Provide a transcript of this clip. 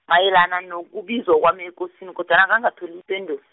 mayelana, nokubizwa kwami ngekosini, kodwana ngangatholi ipendulo.